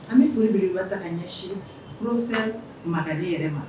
An bɛ folieleba ta ka ɲɛsin olu fɛ magaden yɛrɛ ma